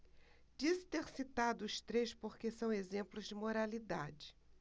disse ter citado os três porque são exemplos de moralidade